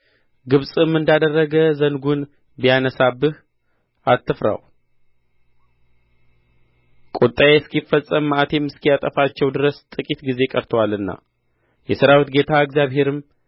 ግብጽም እንዳደረገ ዘንጉን ቢያነሣብህ አትፍራው ቍጣዬ እስኪፈጸም መዓቴም እስኪያጠፋቸው ድረስ ጥቂት ጊዜ ቀርቶአልና የሠራዊት ጌታ እግዚአብሔርም